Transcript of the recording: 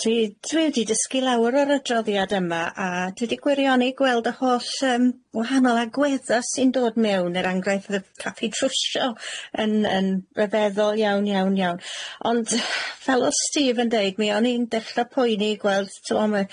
Dwi dwi wedi dysgu lawr o'r adroddiad yma a dwi 'di gwirioni gweld y holl yym wahanol agwedda' sy'n dod mewn er enghraifft y caffi trwsio yn yn ryfeddol iawn iawn iawn, ond fel odd Steve yn deud mi o'n i'n dechra poeni gweld t'bo' ma'